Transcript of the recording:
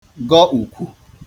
gọ ùkwù